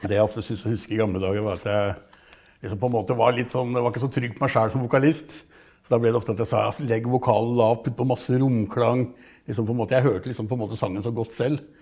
det jeg ofte syns å huske i gamle dager, var at jeg liksom på en måte var litt sånn var ikke så trygg på meg sjøl som vokalist, så da ble det ofte at jeg sa altså legg vokalen lav putt på masse romklang liksom på en måte, jeg hørte liksom på en måte sangen så godt selv.